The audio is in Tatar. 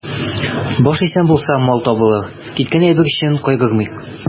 Баш исән булса, мал табылыр, киткән әйбер өчен кайгырмыйк.